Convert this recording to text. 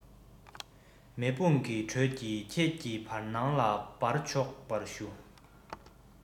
མེ དཔུང གི དྲོད ཀྱིས ཁྱེད ཀྱི བར སྣང ལ སྦར ཆོག པར ཞུ